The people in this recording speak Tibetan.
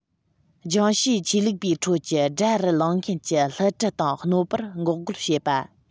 གསུམ ལྗོངས ཕྱིའི ཆོས ལུགས པའི ཁྲོད ཀྱི དགྲ རུ ལངས མཁན གྱི བསླུ བྲིད དང གནོད པར འགོག རྒོལ བྱེད པ